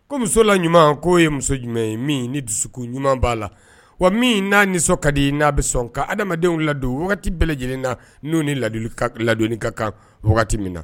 Ko muso la ɲuman k'o ye muso jumɛn ye min ni dusu ɲuman b'a la wa min n'a nisɔn ka di n'a bɛ sɔn ka adamadamadenw ladon wagati bɛɛ lajɛlen na n'u ni ladu ladonni ka kan wagati min na